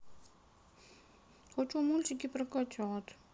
хочу мультики про котят